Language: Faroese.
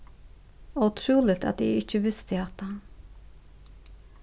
ótrúligt at eg ikki visti hatta